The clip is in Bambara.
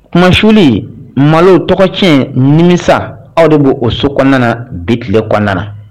Kumasuli malo tɔgɔcɛn nimisa aw de bɛ o so kɔnɔna na bi kile kɔnɔna na